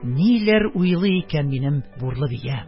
Ниләр уйлый икән минем бурлы биям!?